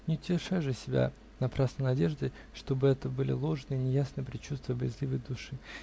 Не утешай же себя напрасно надеждой, чтобы это были ложные, неясные предчувствия боязливой души.